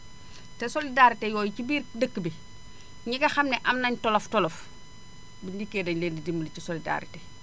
te solidarité yooyu ci biir dëkk bi ñi nga xam ne am nañ tolof-tolof bu ñu dikkee dañu leen di dimbali ci solidarité